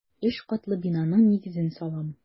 Өч катлы бинаның нигезен салам.